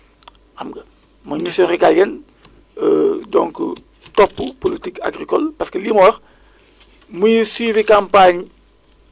dégg nga continué ba Diaolé on voit que foofu moom pratiquement du ren rek mais at yii yëpp à cahque fois on voit que dañuy am donc un déficit pluviométrique